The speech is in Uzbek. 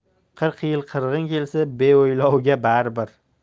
qirq yil qirg'in kelsa beo'ylovga baribir